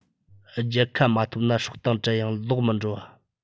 རྒྱལ ཁ མ ཐོབ ན སྲོག དང བྲལ ཡང ལོག མི འགྲོ བ